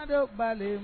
Fa banle